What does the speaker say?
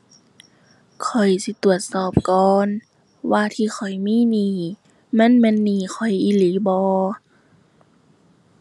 ข้อยสิตรวจสอบก่อน ว่าที่ข้อยมีหนี้ มันแม่นหนี้ข้อยอีหลีบ่